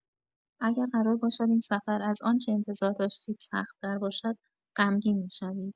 اگر قرار باشد این سفر از آنچه انتظار داشتید سخت‌تر باشد، غمگین می‌شوید.